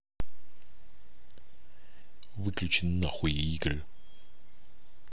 выключи на хуй игры